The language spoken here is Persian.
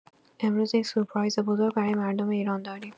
امروز یک سورپرایز بزرگ برای مردم ایران داریم.